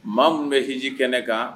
Maa minnu bɛ hji kɛnɛ kan